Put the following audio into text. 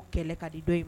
O kɛlɛ ka di dɔ in ma.